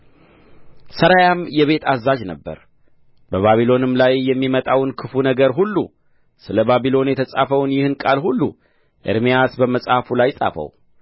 ሠራያም የቤት አዛዥ ነበረ በባቢሎንም ላይ የሚመጣውን ክፉ ነገር ሁሉ ስለ ባቢሎን የተጻፈውን ይህን ቃል ሁሉ ኤርምያስ በመጽሐፍ ላይ ጻፈው